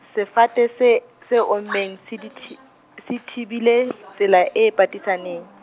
sefate se, se ommeng se dithi-, se thibile, tsela e patisaneng.